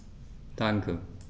Danke.